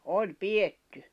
oli pidetty